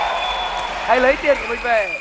bây lấy tiền của mình về